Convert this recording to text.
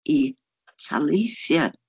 i taleithiau.